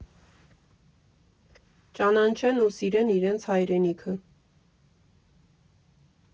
Ճանաչեն ու սիրեն իրենց հայրենիքը։